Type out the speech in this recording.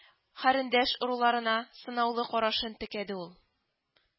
Хәрендәш-ыруларына сынаулы карашын текәде ул